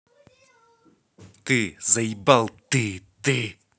ты заебал ты ты